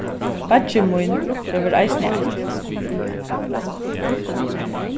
beiggi mín hevur eisini eitt